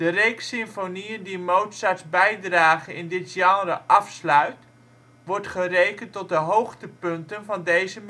reeks symfonieën die Mozarts bijdrage in dit genre afsluit wordt gerekend tot de hoogtepunten van deze